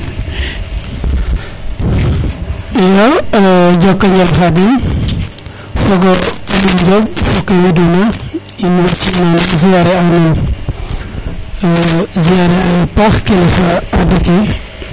iyo e% joko njal Khadim fogole Njoɓfoke widuna in way simna nuun Ziare a nuun ziare oyo a paax kilifa adake